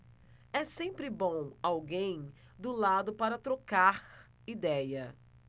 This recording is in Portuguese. é sempre bom alguém do lado para trocar idéia